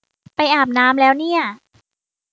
ไปอาบน้ำแล้วเนี่ย